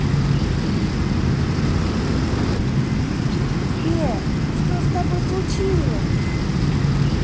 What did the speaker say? сбер что с тобой случилось